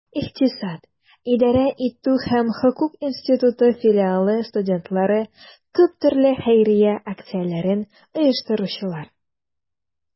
Икътисад, идарә итү һәм хокук институты филиалы студентлары - күп төрле хәйрия акцияләрен оештыручылар.